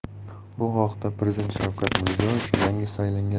bu haqda prezident shavkat mirziyoyev yangi saylangan